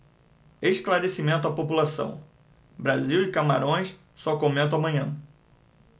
esclarecimento à população brasil e camarões só comento amanhã